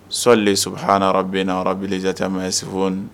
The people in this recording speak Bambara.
So de saba ha bɛna yɔrɔ bija caman segu